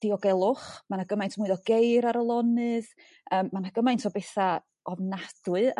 diogelwch ma' 'na gymaint mwy o geir ar y lonydd. Yrm ma' 'na gymaint o betha' ofnadwy